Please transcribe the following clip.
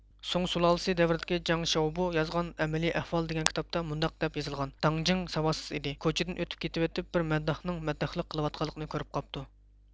سۇڭ سۇلالىسى دەۋرىدىكى جاڭ شياۋبۇ يازغان ئەمەلىي ئەھۋال دېگەن كىتابتا مۇنداق دەپ يېزىلغان داڭ جىڭ ساۋاتسىز ئىدى كوچىدىن ئۆتۈپ كېتىۋېتىپ بىر مەدداھنىڭ مەدداھلىق قىلىۋاتقانلىقىنى كۆرۈپ قاپتۇ